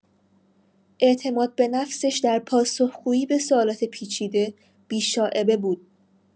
اعتماد به نفسش در پاسخ‌گویی به سوالات پیچیده بی‌شائبه بود.